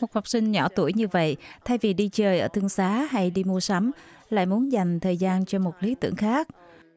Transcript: một học sinh nhỏ tuổi như vậy thay vì đi chơi ở thương xá hay đi mua sắm lại muốn dành thời gian cho một lý tưởng khác